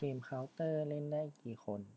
เกมเค้าเตอร์เล่นได้กี่คน